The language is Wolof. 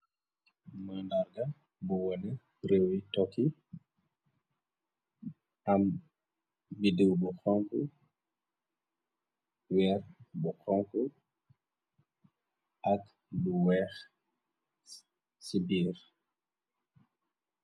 Mënarga bu wone réew yi Tokey am bidiiw bu honk, weer bu honku ak bu weeh ci biir.